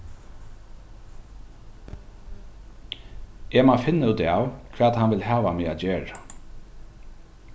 eg má finna út av hvat hann vil hava meg at gera